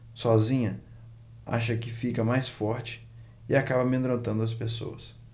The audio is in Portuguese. sozinha acha que fica mais forte e acaba amedrontando as pessoas